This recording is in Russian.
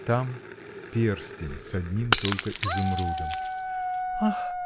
Там — перстень с одним только изумрудом. — Ах!